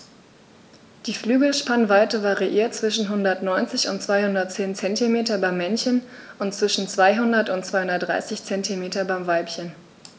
Die Flügelspannweite variiert zwischen 190 und 210 cm beim Männchen und zwischen 200 und 230 cm beim Weibchen.